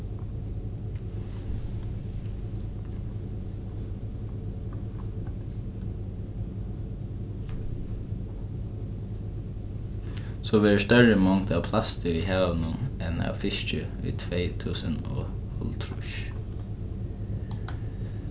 so verður størri mongd av plasti í havinum enn av fiski í tvey túsund og hálvtrýss